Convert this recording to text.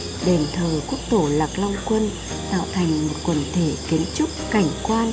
đền thờ quốc tổ lạc long quân tạo thành một quần thể kiến trúc cảnh quan